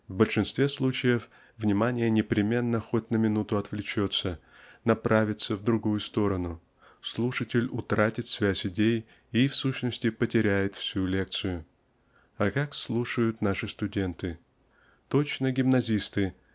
В большинстве случаев внимание непременно хоть на минуту отвлечется направится в другую сторону слушатель утратит связь идей и в сущности потеряет всю лекцию. А как слушают наши студенты? Точно гимназисты